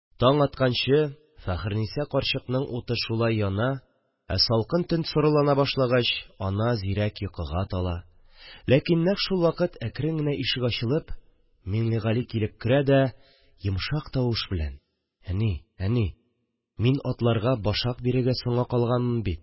Таң атканчы Фәхерниса карчыкның уты шулай яна, ә салкын төн сорылана башлагач ана зирәк йокыга тала, ләкин нәкъ шулвакыт, әкрен генә ишек ачылып, Миңлегали килеп керә дә йомшак тавыш белән: – Әни, әни, мин атларга башак бирергә соңга калганмын бит